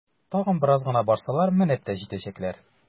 Тагын бераз гына барсалар, менеп тә җитәчәкләр!